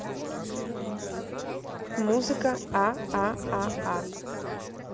музыка а а а а